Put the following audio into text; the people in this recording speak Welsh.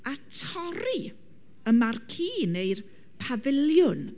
a torri y marquee neu'r pafiliwn.